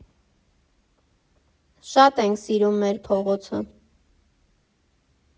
Շատ ենք սիրում մեր փողոցը։